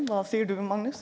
hva sier du Magnus?